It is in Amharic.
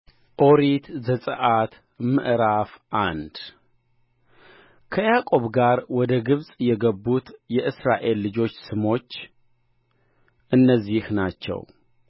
ኦሪት ዘጽአት ምዕራፍ አንድ ከያዕቆብ ጋር ወደ ግብፅ የገቡት የእስራኤል ልጆች ስሞች እነዚህ ናቸው